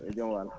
yo jaam waal